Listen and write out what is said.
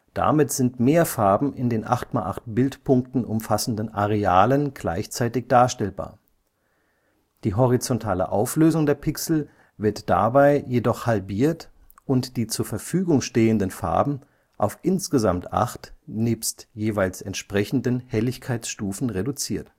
Damit sind mehr Farben in den 8 × 8 Bildpunkten umfassenden Arealen gleichzeitig darstellbar – die horizontale Auflösung der Pixel wird dabei jedoch halbiert und die zur Verfügung stehenden Farben auf insgesamt acht nebst jeweils entsprechenden Helligkeitsstufen reduziert